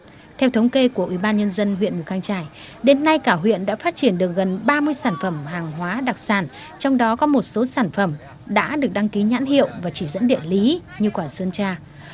theo thống kê của ủy ban nhân dân huyện mù cang chải đến nay cả huyện đã phát triển được gần ba mươi sản phẩm hàng hóa đặc sản trong đó có một số sản phẩm đã được đăng ký nhãn hiệu và chỉ dẫn địa lý như quả sơn tra